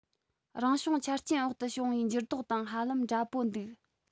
རང བྱུང ཆ རྐྱེན འོག ཏུ བྱུང བའི འགྱུར ལྡོག དང ཧ ལམ འདྲ པོ འདུག